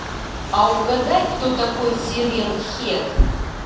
а угадай кто такой siren head